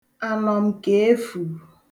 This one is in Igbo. ànọ̀mkèefù